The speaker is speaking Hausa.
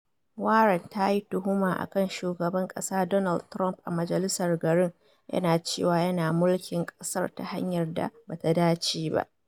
Warren ta yi tuhuma akan Shugaban Kasa Donald Trump a majalisar garin, yana cewa “yana mulkin kasar ta hanyar da bata dace ba.